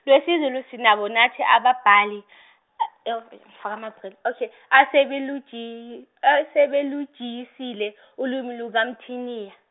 lwesiZulu sinabo nathi ababhali ngifake amabr- ok asebelujiyi- asebelujiyisile ulimi lukaMthaniya.